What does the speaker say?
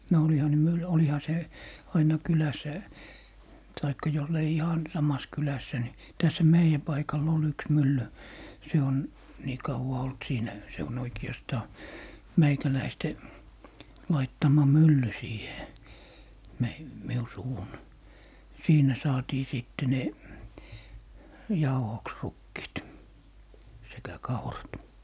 no olihan ne - olihan se aina kylässä tai jos ei ihan samassa kylässä niin tässähän meidän paikalla oli yksi mylly se on niin kauan ollut siinä se on oikeastaan meikäläisten laittama mylly siihen - minun suvun siinä saatiin sitten ne jauhoksi rukiit sekä kaurat